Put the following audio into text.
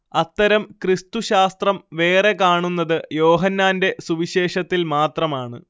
അത്തരം ക്രിസ്തുശാസ്ത്രം വേറെ കാണുന്നത് യോഹന്നാന്റെ സുവിശേഷത്തിൽ മാത്രമാണ്